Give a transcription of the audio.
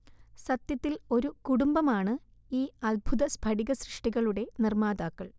സത്യത്തിൽ ഒരു കുടുംബമാണ് ഈ അദ്ഭുത സ്ഥടികസൃഷ്ടികളുടെ നിർമാതാക്കൾ